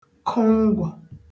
kụ ngwọ̀